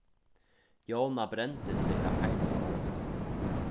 jóna brendi seg av heita ovninum